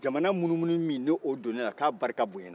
jamana munumununi min ni o donna e la ko a barika bonyana